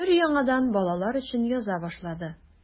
Өр-яңадан балалар өчен яза башлады.